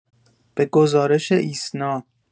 به گزارش ایسنا